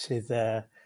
Sydd yy